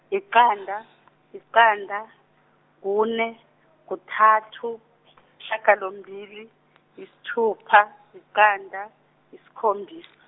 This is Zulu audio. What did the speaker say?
yiqanda, yiqanda, kune kuthathu, shagalombili, yisithupa, yiqanda, yisikhombisa.